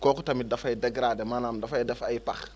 kooku tamit dafay dégrader maanaam dafay def ay pax